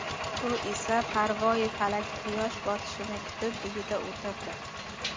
u esa parvoyi palak quyosh botishini kutib uyida o'tirdi